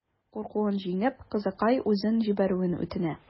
Куркуын җиңеп, кызыкай үзен җибәрүен үтенә.